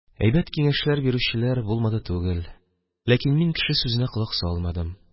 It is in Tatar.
Әйбәт киңәшләр бирүчеләр дә булмады түгел, ләкин мин кеше сүзенә колак салмадым.